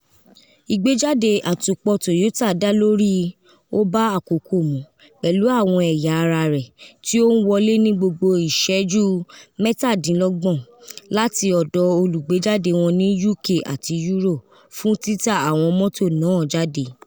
Ìgbéjáde àtòpọ̀ Toyota dá lórí i “ó bá àkókò mu”, pẹ̀lú àwọn ẹ̀yà ara rẹ̀ tí ó ń wọlé ní gbogbo ìṣẹ́jú 37 láti ọ̀dọ̀ olùgbéjáde wọn ní UK àti EU fún títa àwọn mọ́tò náà jáde.